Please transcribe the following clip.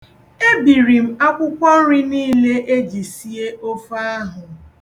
Ebiri m akwụkwọ nri niile e ji sie ofe ahụ.